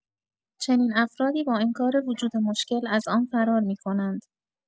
چنین افرادی، با انکار وجود مشکل، از آن فرار می‌کنند.